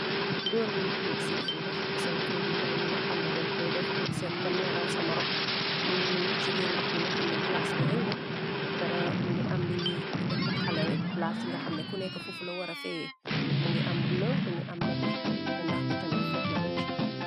Goor buy fee ci biir ndox posoŋg fee biy moy ñi nga xamne dañ koy def pur seet kan may raw samorom mu ngi nañi ci biir ndox bi nga xamne plaase bu ruy la la pre m ngi am li yi ta xale plaas yi nga xamne ku neka fufu la wara fee mu ngi am bu le mu ngi am nete te ndox bi tamit set na wicch.